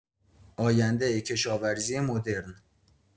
آینده کشاورزی مدرن